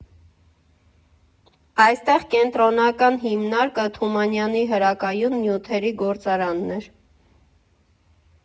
Այստեղ կենտրոնական հիմնարկը Թումանյանի հրակայուն նյութերի գործարանն էր։